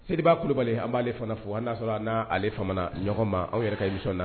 Seba kulubali an b'aale fana fo an y'a an n'aale ɲɔgɔn ma an yɛrɛ kami na